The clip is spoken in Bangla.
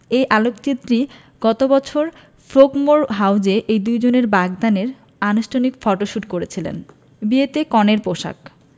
এই আলোকচিত্রী গত বছর ফ্রোগমোর হাউসে এই দুজনের বাগদানের আনুষ্ঠানিক ফটোশুট করেছিলেন বিয়েতে কনের পোশাক